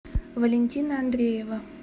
валентина андреева